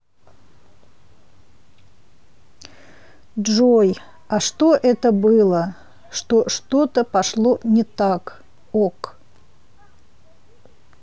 джой а что это было что что то пошло не так ok